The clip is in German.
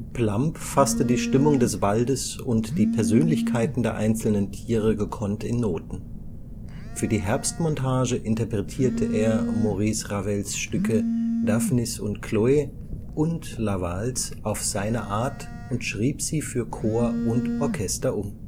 Plumb fasste die Stimmung des Waldes und die Persönlichkeiten der einzelnen Tiere gekonnt in Noten. Für die Herbstmontage interpretierte er Maurice Ravels Stücke „ Daphnis und Cloe “und „ La Valse “auf seine Art und schrieb sie für Chor und Orchester um